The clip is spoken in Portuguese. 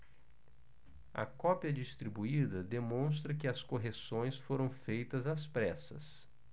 a cópia distribuída demonstra que as correções foram feitas às pressas